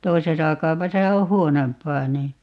toisessa kaupassa on huonompaa niin